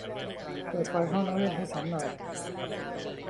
เปิดไฟห้องนั่งเล่นให้ฉันหน่อย